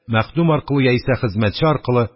Мәхдүм аркылы яисә хезмәтче аркылы,